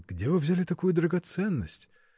Где вы взяли такую драгоценность?